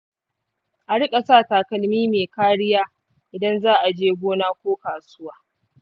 a riƙa sa takalmi mai kariya idan za a je gona ko kasuwa.